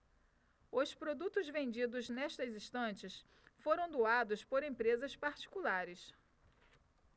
os produtos vendidos nestas estantes foram doados por empresas particulares